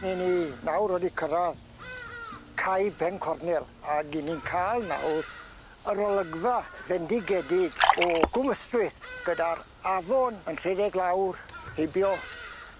Ni ni nawr wedi cyrradd cae Pencornel ag 'yn ni'n ca'l nawr yr olygfa fendigedig o Gwm Ystwyth gyda'r afon yn rhedeg lawr heibio